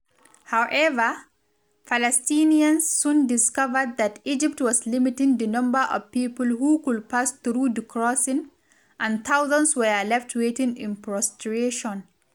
However, Palestinians soon discovered that Egypt was limiting the number of people who could pass through the crossing, and thousands were left waiting in frustration.